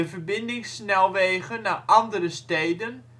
verbindingssnelwegen naar andere steden